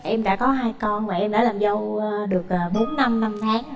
em đã có hai con và em đã làm dâu a được à bốn năm năm tháng rồi